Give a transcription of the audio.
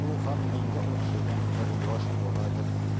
o'xshagan bir yosh boladir